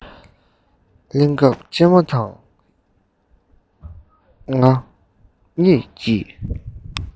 གླེང སྐབས གཅེན པོ དང ང གཉིས ཀྱིས